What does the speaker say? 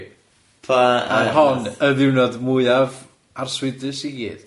Pa- a- Ar hon y ddiwrnod mwyaf arswydus i gyd.